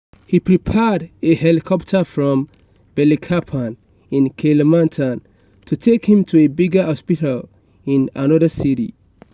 We prepared a helicopter from Balikpapan in Kalimantan to take him to a bigger hospital in another city.